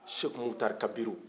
seko mukutari kabiru